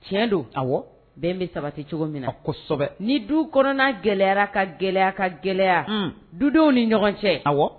Tiɲɛ don, ɔwɔ, bɛn bɛ sabati cogo min na, kosɛbɛ, ni du kɔnɔna gɛlɛyara ka gɛlɛya ka gɛlɛya, un, dudenw ni ɲɔgɔn cɛ, awɔ